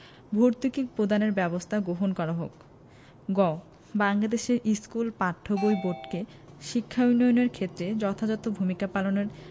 ভর্তুকি প্রদানের ব্যবস্থা গ্রহণ করা হোক গ বাংলাদেশের স্কুলে পাঠ্য বই বোর্ডকে শিক্ষা উন্নয়নের ক্ষেত্রে যথাযথ ভূমিকা পালনের